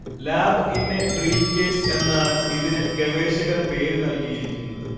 lab in a briefcase എന്നാണ് ഇതിന് ഗവേഷകർ പേര് നല്കിയിരിക്കുന്നത്